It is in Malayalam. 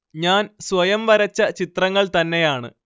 ഞാൻ സ്വയം വരച്ച ചിത്രങ്ങൾ തന്നെയാണ്